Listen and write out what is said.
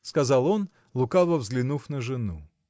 – сказал он, лукаво взглянув на жену.